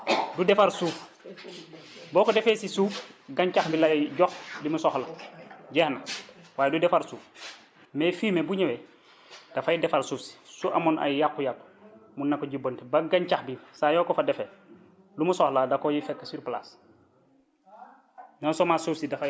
boobu du defar suuf boo ko defee si suuf gàncax bi lay jox li mu soxlajeex na waaye du defar suuf mais fumier bu ñëwee dafay defar suuf si su amoon ay yàqu-yàqu mun na ko jubanti ba gàncax bi saa yoo ka fa defee lu mu soxla daf koy fekk sur place